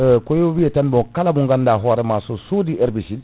koyo wiye tan mo kala mo gandaɗa hoorema so sodi herbicide